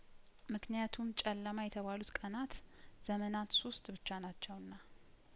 ምክንያቱም ጭለማ የተባሉት ቀናት ዘመናት ሶስት ብቻ ናቸውና